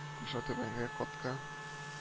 Аша түбәнге катка